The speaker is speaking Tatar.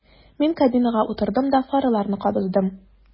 Мин кабинага утырдым да фараларны кабыздым.